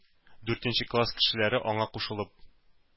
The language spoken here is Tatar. Дүртенче класс кешеләре аңа кушылып: